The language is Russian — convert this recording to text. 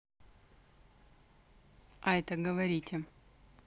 айта говорите